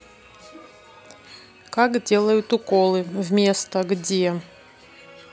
как делают уколы вместо где